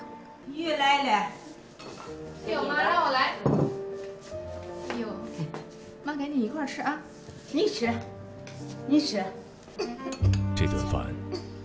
hiện lên phây búc ý ạ thì lần nào em cũng xem lại